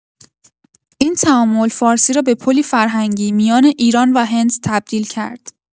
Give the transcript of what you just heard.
این تعامل، فارسی را به پلی فرهنگی میان ایران و هند تبدیل کرد.